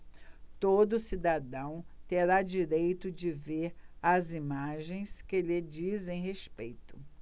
todo cidadão terá direito de ver as imagens que lhe dizem respeito